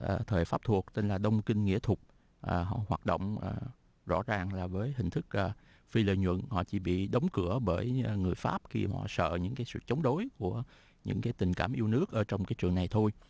ờ thời pháp thuộc tên là đông kinh nghĩa thục và họ hoạt động rõ ràng là với hình thức cờ phi lợi nhuận họ chỉ bị đóng cửa bởi người pháp khi họ sợ những sự chống đối của những cái tình cảm yêu nước ở trong cái trường này thôi